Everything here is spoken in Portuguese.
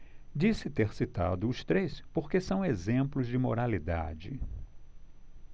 disse ter citado os três porque são exemplos de moralidade